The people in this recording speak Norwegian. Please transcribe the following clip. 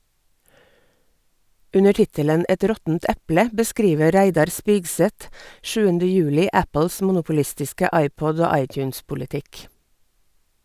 Under tittelen «Et råttent eple» beskriver Reidar Spigseth 7. juli Apples monopolistiske iPod- og iTunes-politikk.